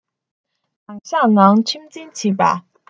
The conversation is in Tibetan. དྲང གཞག ངང ཁྲིམས འཛིན བྱེད པ